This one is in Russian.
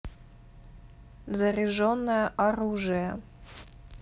заряженное оружие